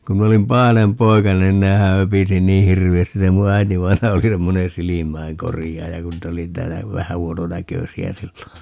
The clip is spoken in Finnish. kun minä olin pahainen poikanen nehän höpisi niin hirveästi se minun äitivainaja oli semmoinen silmäinkorjaaja kun niitä oli täällä vähän huononäköisiä silloin